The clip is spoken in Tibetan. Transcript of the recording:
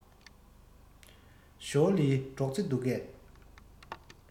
ཞའོ ལིའི འགྲོ རྩིས འདུག གས